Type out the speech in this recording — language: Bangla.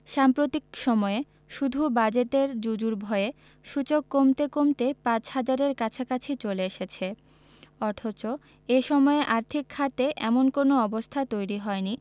সাম্প্রতিক সময়ে শুধু বাজেটের জুজুর ভয়ে সূচক কমতে কমতে ৫ হাজারের কাছাকাছি চলে এসেছে অথচ এ সময়ে আর্থিক খাতে এমন কোনো অবস্থা তৈরি হয়নি